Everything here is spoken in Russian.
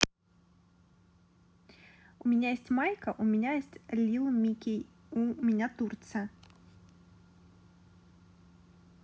у меня есть майка у меня есть lil mikey у меня турция